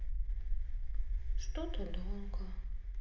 что то долго